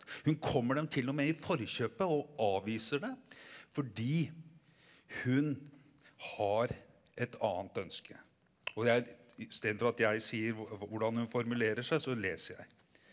hun kommer dem t.o.m. i forkjøpet og avviser det fordi hun har et annet ønske og jeg istedenfor at jeg sier hvordan hun formulerer seg så leser jeg.